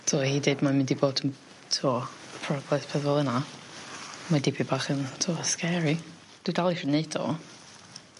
t'o' i deud mae'n mynd i bod yn t'o' propeth peth fel yna mae dipyn bach yn t'o' scary. Dwi dal isio neud o.